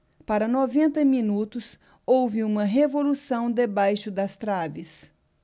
para noventa minutos houve uma revolução debaixo das traves